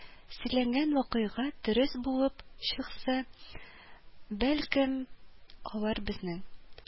Сөйләгән вакыйга дөрес булып чыкса, бәлкем, алар безнең